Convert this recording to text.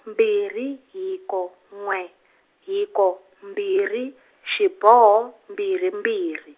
mbirhi hiko n'we hiko mbirhi xiboho mbirhi mbirhi.